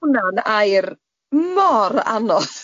Ma hwnna'n air mor anodd.